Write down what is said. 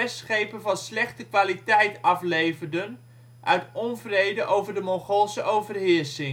schepen van slechte kwaliteit afleverden uit onvrede over de Mongoolse overheersing